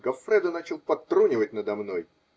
Гоффредо начал подтрунивать надо мной